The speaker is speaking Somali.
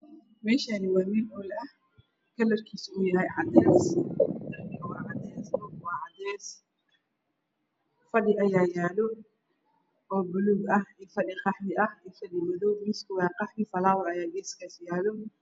Meeshaan waa meel hool ah kalarkiisu uu yahay cadeys darbigana waa cadeys, dhulkuna waa cadeys. Fadhi ayaa yaalo oo buluug ah iyo Fadhi qaxwi ah miiskana waa madow falaawar ayaa saaran.